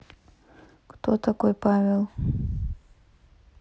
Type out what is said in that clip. кто такой павел